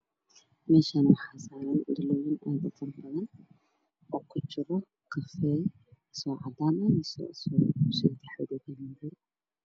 Meeshaan waxaa saaran